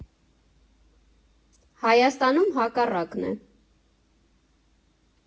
Հայաստանում հակառակն է։